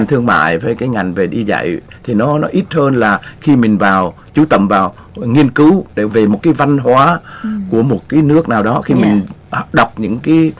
thương mại với các ngành về đi dạy thì nó ít hơn là khi mình vào chú tâm vào nghiên cứu để về một cái văn hóa của một cái nước nào đó khi mình đọc những cái